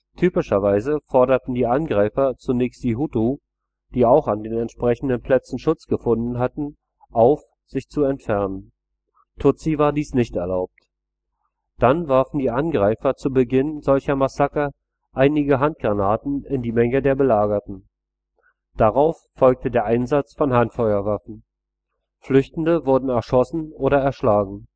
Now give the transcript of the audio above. Typischerweise forderten die Angreifer zunächst die Hutu, die auch an den entsprechenden Plätzen Schutz gefunden hatten, auf, sich zu entfernen. Tutsi war dies nicht erlaubt. Dann warfen die Angreifer zu Beginn solcher Massaker einige Handgranaten in die Menge der Belagerten. Darauf folgte der Einsatz von Handfeuerwaffen. Flüchtende wurden erschossen oder erschlagen